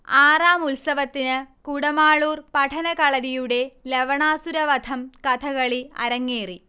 ആറാം ഉത്സവത്തിന് കുടമാളൂർ പഠനകളരിയുടെ ലവണാസുരവധം കഥകളി അരങ്ങേറി